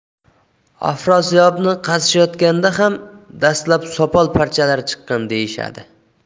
afrosiyobni qazishayotganda ham dastlab sopol parchalari chiqqan deyishadi